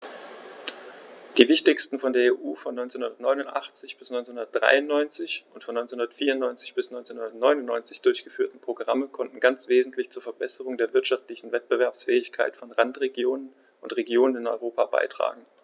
Die wichtigsten von der EU von 1989 bis 1993 und von 1994 bis 1999 durchgeführten Programme konnten ganz wesentlich zur Verbesserung der wirtschaftlichen Wettbewerbsfähigkeit von Randregionen und Regionen in Europa beitragen.